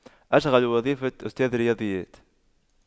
أشغل وظيفة أستاذ رياضيات